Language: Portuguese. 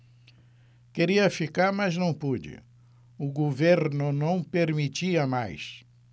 queria ficar mas não pude o governo não permitia mais